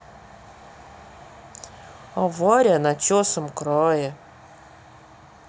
авария начесом крае